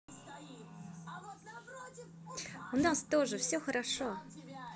у нас тоже все хорошо